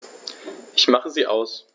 Ich mache sie aus.